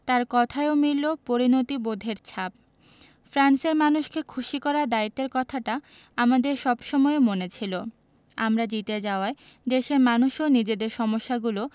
তাঁর কথায়ও মিলল পরিণতিবোধের ছাপ ফ্রান্সের মানুষকে খুশি করার দায়িত্বের কথাটা আমাদের সব সময়ই মনে ছিল আমরা জিতে যাওয়ায় দেশের মানুষও নিজেদের সমস্যাগুলো